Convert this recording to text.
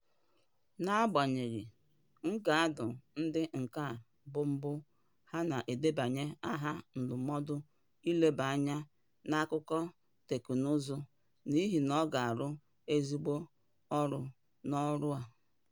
N'agbanyeghị, m ga-adụ ndị nke a bụ mbụ ha na-edebanye aha ndụmọọdụ ịleba anya na akụkụ teknụzụ, n'ihi na ọ ga-arụ ezigbo ọrụ n'ọrụ a.